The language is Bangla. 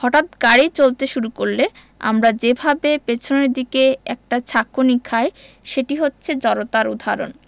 হঠাৎ গাড়ি চলতে শুরু করলে আমরা যেভাবে পেছনের দিকে একটা ঝাঁকুনি খাই সেটি হচ্ছে জড়তার উদাহরণ